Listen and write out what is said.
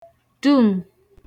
dum